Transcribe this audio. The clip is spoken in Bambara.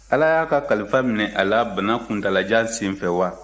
ala y'a ka kalifa minɛ a la bana kuntaalajan sen fɛ wa